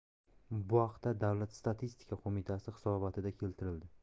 bu haqda davlat statistika qo'mitasi hisobotida keltirildi